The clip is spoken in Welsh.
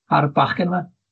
A'r bachgen yma...